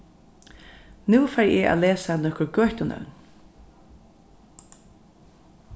nú fari eg at lesa nøkur gøtunøvn